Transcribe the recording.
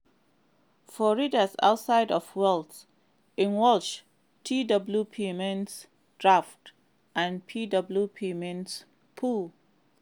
For readers outside of Wales: In Welsh twp means daft and pwp means poo.